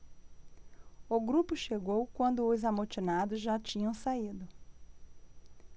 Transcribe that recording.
o grupo chegou quando os amotinados já tinham saído